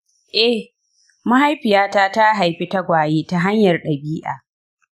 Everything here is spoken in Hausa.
eh, mahaifiyata ta haifi tagwaye ta hanyar dabi’a.